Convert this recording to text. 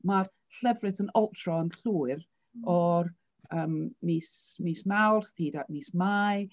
Ma'r llefrith yn altro yn llwyr o'r yym mis mis Mawrth hyd at mis Mai.